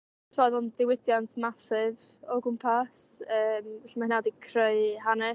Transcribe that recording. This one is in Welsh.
t'wod o'dd o'n ddiwydiant massive o gwmpas yy felly ma' hynna 'di creu hanes i